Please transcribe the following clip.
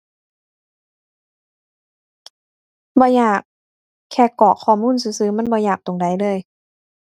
บ่ยาก แค่กรอกข้อมูลซื่อซื่อ มันบ่ยากตรงใดเลย